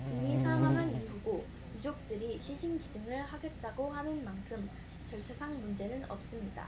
이미 사망한 이후고 유족들이 시신기증을 하겠다고 하는 만큼 절차상 문제는 없습니다